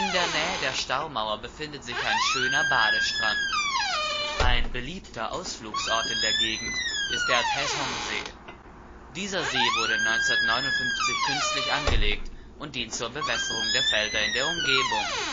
der Nähe der Staumauer befindet sich ein schöner Badestrand. Ein beliebter Ausflugsort in der Gegend ist der Taesong-See. Dieser See wurde 1959 künstlich angelegt und dient zur Bewässerung der Felder in der Umgebung